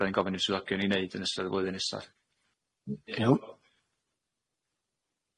'dan ni'n gofyn i'n swyddogion 'i neud yn ystod y flwyddyn nesa.